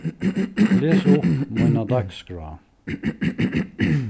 les upp mína dagsskrá